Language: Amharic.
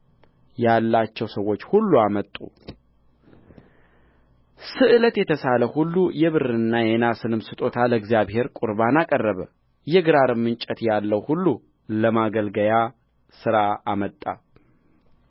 ያላቸው ሰዎች ሁሉ አመጡ ስእለት የተሳለ ሁሉ የብርንም የናስንም ስጦታ ለእግዚአብሔር ቍርባን አቀረበ የግራርም እንጨት ያለው ሁሉ ለማገልገያ ሥራ አመጣ